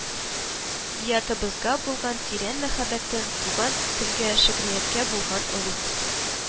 Биятыбызга булган тирән мәхәббәтен, туган телгә, шигърияткә булган олуг